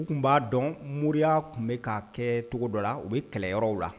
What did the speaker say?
U tun b'a dɔn mya tun bɛ ka kɛ cogo dɔ la u bɛ kɛlɛ yɔrɔw la